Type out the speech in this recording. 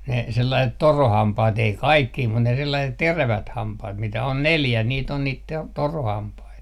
ne sellaiset torahampaat ei kaikkia mutta ne sellaiset terävät hampaat mitä on neljä niitä on niitä - torahampaita